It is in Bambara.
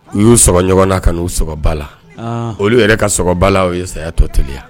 U y'uɔgɔ ɲɔgɔn na ka n'uɔgɔba la olu yɛrɛ kaɔgɔbala o ye saya tɔ teliya